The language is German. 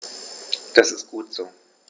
Das ist gut so.